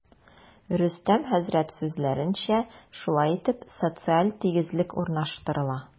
Рөстәм хәзрәт сүзләренчә, шулай итеп, социаль тигезлек урнаштырыла.